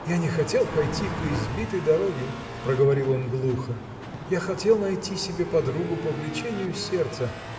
-- Я не хотел пойти по избитой дороге, -- проговорил он глухо, -- я хотел найти себе подругу по влечению сердца